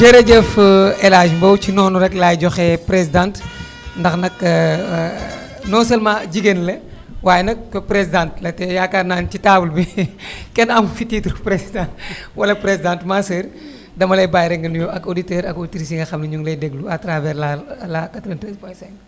jërëjëf El Hadj Mbow ci noonu rek laay joxee présidente ndax nag non seulement jigéen la waaye nag nekk présidente ndaxte yaakaar naa ne ci table bi kenn amu fi titre président wala présidente ma soeur dama lay bàyyi rek nga nuyoo ak auditeur ak auditrices yi nga xam ne ñu ngi lay déglu à travers la la 93.5